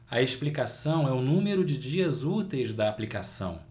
a explicação é o número de dias úteis da aplicação